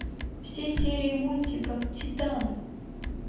все серии мультика титаны